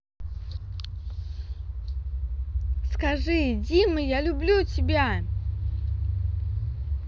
скажи дима я люблю тебя